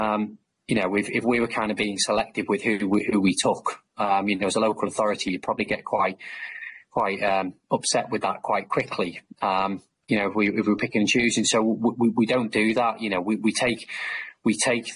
um you know if if we were kind of being selective with who who we took um you know as a local authority you probably get quite quite um upset with that quite quickly um you know if we if we're picking and choosing so we we don't do that you know we we take we take